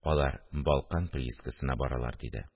Алар «Балкан» приискасына баралар, – диде